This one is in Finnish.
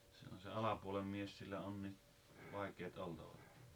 se on se alapuolen mies sillä on niin vaikeat oltavat